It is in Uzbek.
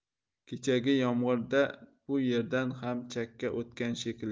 kechagi yomg'irda bu yerdan ham chakka o'tgan shekilli